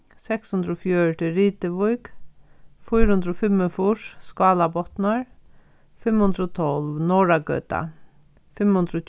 seks hundrað og fjøruti rituvík fýra hundrað og fimmogfýrs skálabotnur fimm hundrað og tólv norðragøta fimm hundrað og